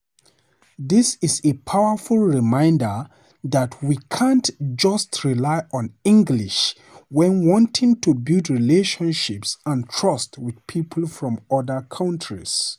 This is a powerful reminder that we can't just rely on English when wanting to build relationships and trust with people from other countries.